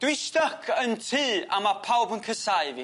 Dwi styc yn tŷ a ma' pawb yn cysau fi.